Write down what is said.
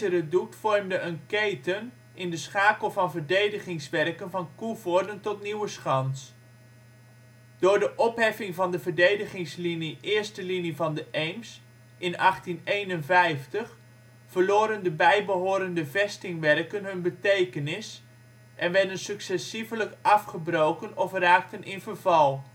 redoute vormde een keten in de schakel van verdedigingswerken van Coevorden tot Nieuweschans. Door de opheffing van de verdedigingslinie Eerste Linie van de Eems in 1851 verloren de bijbehorende vestingwerken hun betekenis en werden successievelijk afgebroken of raakten in verval